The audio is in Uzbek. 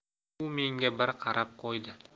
u menga bir qarab qo'ydi